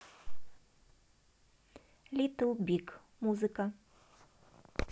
литл биг музыка